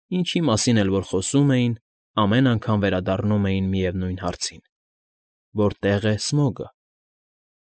Ինչի մասին էլ որ խոսում էին, ամեն անգամ վերադառնում էին միևնույն հարցին՝ որտե՞ղ է Սմոգը։